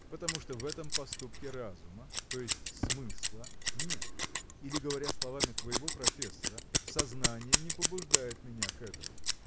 – Потому что в этом поступке разума то есть смысла нет или говоря словами твоего профессора сознание не побуждает меня к этому